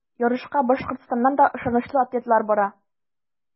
Ярышка Башкортстаннан да ышанычлы атлетлар бара.